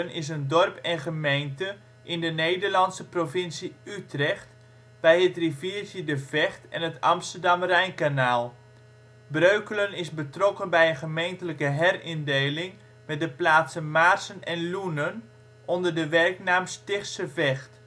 is een dorp en gemeente in de Nederlandse provincie Utrecht bij het riviertje de Vecht en het Amsterdam-Rijnkanaal. Breukelen is betrokken bij een gemeentelijke herindeling met de plaatsen Maarssen en Loenen onder de werknaam Stichtse Vecht